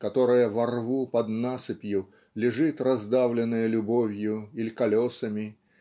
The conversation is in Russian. которая во рву под насыпью лежит раздавленная любовью иль колесами